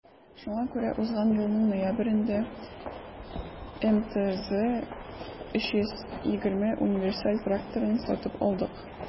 Шуңа күрә узган елның ноябрендә МТЗ 320 универсаль тракторын сатып алдык.